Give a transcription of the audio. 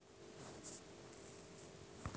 камила валиева